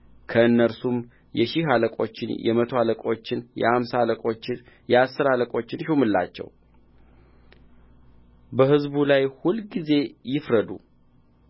ከእነርሱም የሺህ አለቆችን የመቶ አለቆችን የአምሳ አለቆችን የአሥርም አለቆችን ሹምላቸው በሕዝቡ ላይ ሁልጊዜ ይፍረዱ